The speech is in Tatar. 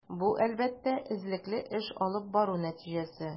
Бу, әлбәттә, эзлекле эш алып бару нәтиҗәсе.